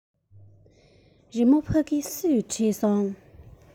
རི མོ ཕ གི སུས བྲིས སོང